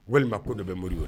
Walima ko de bɛ mori ye